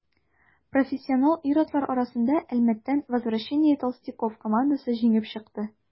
Профессионал ир-атлар арасында Әлмәттән «Возвращение толстяков» командасы җиңеп чыкты.